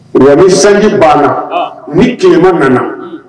Wula bɛ sanji banna ni tilelima nana